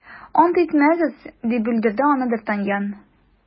- ант итмәгез, - дип бүлдерде аны д’артаньян.